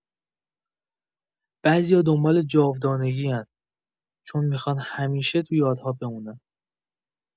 بعضیا دنبال جاودانگی‌ان، چون می‌خوان همیشه تو یادها بمونن.